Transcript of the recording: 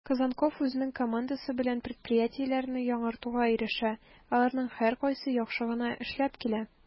Козонков үзенең командасы белән предприятиеләрне яңартуга ирешә, аларның һәркайсы яхшы гына эшләп килә: